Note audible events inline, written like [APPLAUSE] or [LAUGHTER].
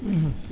[HESITATION] [HESITATION]